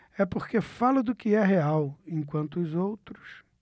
é porque falo do que é real enquanto os outros